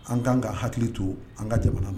An'an ka hakili to an ka jamana na